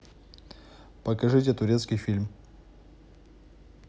покажите турецкий фильм